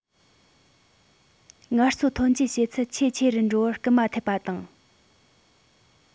ངལ རྩོལ ཐོན སྐྱེད བྱེད ཚད ཆེས ཆེ རུ འགྲོ བར སྐུལ མ ཐེབས པ དང